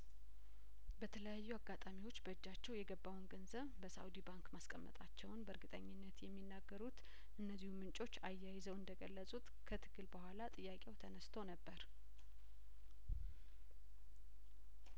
በተለያዩ አጋጣሚዎች በእጃቸው የገባውን ገንዘብ በሳኡዲ ባንክ ማስቀመጣቸውን በእርግጠኝነት የሚናገሩት እነዚሁ ምንጮች አያይዘው እንደገለጹት ከትግል በኋላ ጥያቄው ተነስቶ ነበር